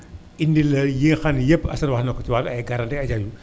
indil la yi nga xam ne yëpp Assane wax na ko si wàllu ay garanti